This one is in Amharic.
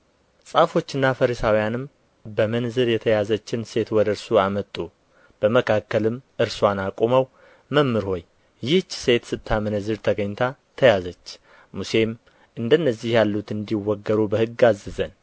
ጻፎችና ፈሪሳውያንም በምንዝር የተያዘችን ሴት ወደ እርሱ አመጡ በመካከልም እርሱዋን አቁመው መምህር ሆይ ይህች ሴት ስታመነዝር ተገኝታ ተያዘች ሙሴም እንደነዚህ ያሉት እንዲወገሩ በሕግ አዘዘን